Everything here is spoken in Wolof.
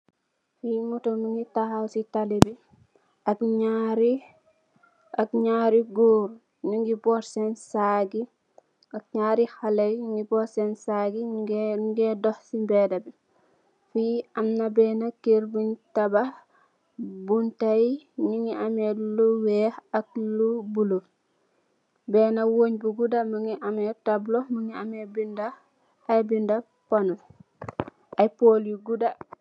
Motor munge tahaw si talibi ak nyari goor nyunge gadu sen sac ak amna bena munge sen borr di duh si talibi amna keur bunj tabakh bunta yi munge ame lu wekh ak lu bulah amna bena wunj bu guduh munge am tabla ak aye bindah